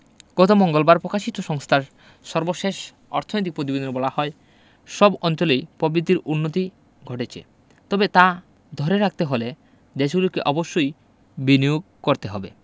গত মঙ্গলবার পকাশিত সংস্থার সর্বশেষ অর্থনৈতিক পতিবেদনে বলা হয় সব অঞ্চলেই বিদ্ধির উন্নতি ঘটছে তবে তা ধরে রাখতে হলে দেশগুলোকে অবশ্যই বিনিয়োগ করতে হবে